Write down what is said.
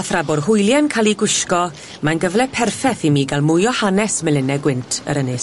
A thra bo'r hwylia'n ca'l i gwisgo mae'n gyfle perffeth i mi ga'l mwy o hanes melyne gwynt yr ynys.